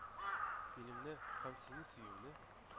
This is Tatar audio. Илемне һәм сине сөюемне